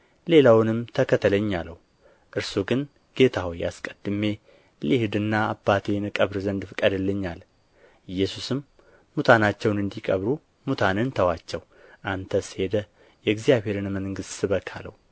ሌላውንም ተከተለኝ አለው እርሱ ግን ጌታ ሆይ አስቀድሜ ልሂድና አባቴን እቀብር ዘንድ ፍቀድልኝ አለ ኢየሱስም ሙታናቸውን እንዲቀብሩ ሙታንን ተዋቸው አንተስ ሄደህ የእግዚአብሔርን መንግሥት ስበክ አለው